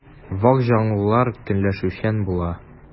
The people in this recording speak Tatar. Вак җанлылар көнләшүчән була.